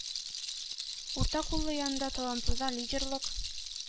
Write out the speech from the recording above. Уртакуллы янында талантлыда лидерлык,